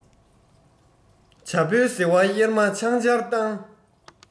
བྱ ཕོའི ཟེ བ གཡེར མ ཆང སྦྱར བཏང